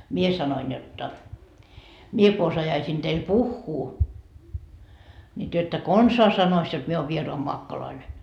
minä sanoin jotta minä kun osaisin teille puhua niin te ette konsaan sanoisi jotta minä olen vieraanmaakkoinen